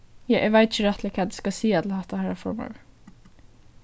ja eg veit ikki rættiliga hvat eg skal siga til hatta harra formaður